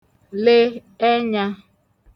le ẹnya